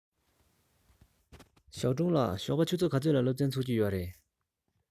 ཞའོ ཀྲུང ལགས ཞོགས པ ཆུ ཚོད ག ཚོད ལ སློབ ཚན ཚུགས ཀྱི ཡོད རེད